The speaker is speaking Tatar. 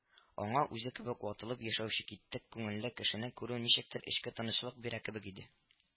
Аңа үзе кебек ватылып яшәүче киттек күңелле кешене күрү ничектер эчке тынычлык бирә кебек иде